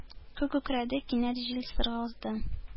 Күк күкрәде кинәт, җил сызгырды,